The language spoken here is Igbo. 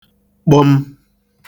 kpọm